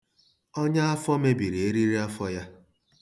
Ọnyaafọ mebiri eririafọ ya.